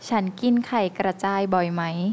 ฉันกินไข่กระจายบ่อยไหม